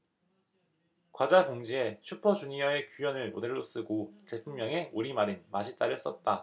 과자 봉지에 슈퍼주니어의 규현을 모델로 쓰고 제품명에 우리말인 맛있다를 썼다